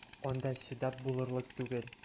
Анда чыдап булырлык түгел!